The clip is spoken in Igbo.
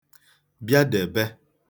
bịadèbe